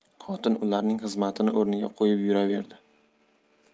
xotin ularning xizmatini o'rniga qo'yib yuraverdi